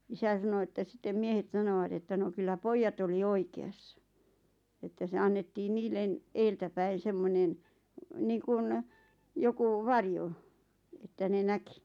isä sanoi että sitten miehet sanoivat että no kyllä pojat oli oikeassa että se annettiin niille edeltäpäin semmoinen niin kuin joku varjo että ne näki